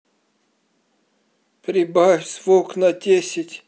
прибавь звук на десять